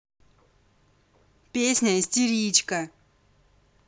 песня истеричка